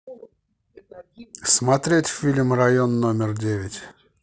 смотреть фильм район номер девять